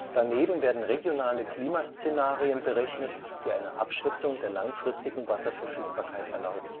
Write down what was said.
Daneben werden regionale Klimaszenarien berechnet, die eine Abschätzung der langfristigen Wasserverfügbarkeit erlauben